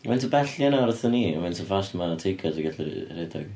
Faint o bell ydi hynna oddi wrtha ni, a faint mor fast ma teigars yn gallu r- rhedeg?